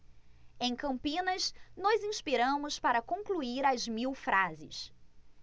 em campinas nos inspiramos para concluir as mil frases